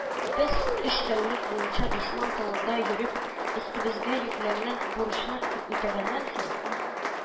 Без, өч тәүлек буенча дошман тылында йөреп, өстебезгә йөкләнгән бурычны үтәгәннән соң